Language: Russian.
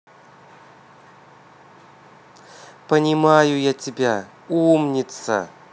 понимаю я тебя умница